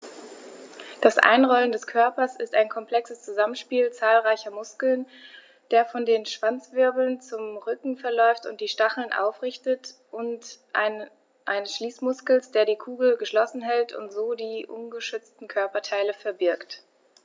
Das Einrollen des Körpers ist ein komplexes Zusammenspiel zahlreicher Muskeln, der von den Schwanzwirbeln zum Rücken verläuft und die Stacheln aufrichtet, und eines Schließmuskels, der die Kugel geschlossen hält und so die ungeschützten Körperteile verbirgt.